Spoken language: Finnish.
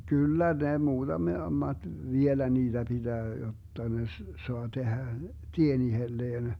kyllä ne - muutamat vielä niitä pitää jotta ne - saa tehdä tien itselleen